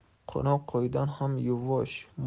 qo'noq qo'ydan ham yuvvosh